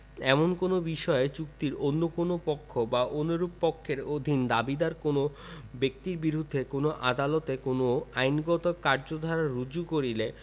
এমন কোন বিষয়ে চুক্তির অন্য কোন পক্ষ বা অনুরূপ পক্ষের অধীন দাবিীদার কোন ব্যক্তির বিরুদ্ধে কোন আদালতে কোন আইনগত কার্যধারা রুজু করিলে